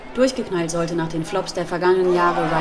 Durchgeknallt sollte nach den Flops der vergangenen Jahre